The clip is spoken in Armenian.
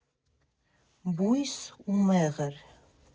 Բույս ու մեղր։